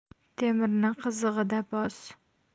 temirni qizig'ida bos